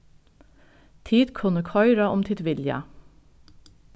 tit kunnu koyra um tit vilja